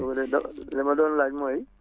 foofu de da li ma doon laaj mooy